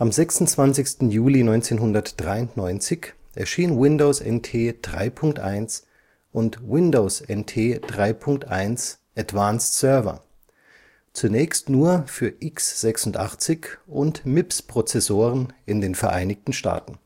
26. Juli 1993 erschien Windows NT 3.1 und Windows NT 3.1 Advanced Server, zunächst nur für x86 - und MIPS-Prozessoren, in den Vereinigten Staaten